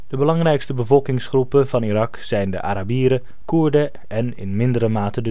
De belangrijkste bevolkingsgroepen van Irak zijn de Arabieren, Koerden en in mindere mate